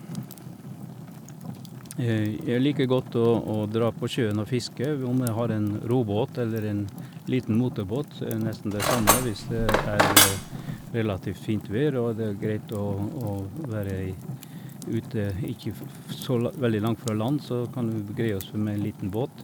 Jeg liker godt å å dra på sjøen og fiske, om jeg har en robåt eller en liten motorbåt, så er det nesten det samme hvis det er relativt fint vær, og det er greit å å være i ute, ikke f f så la veldig langt fra land, så kan du greie oss med en liten båt.